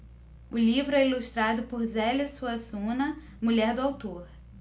o livro é ilustrado por zélia suassuna mulher do autor